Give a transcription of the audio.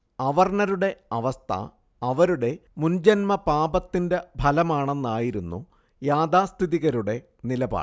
അവർണ്ണരുടെ അവസ്ഥ അവരുടെ മുജ്ജന്മപാപത്തിന്റെ ഫലമാണെന്നായിരുന്നു യാഥാസ്ഥിതികരുടെ നിലപാട്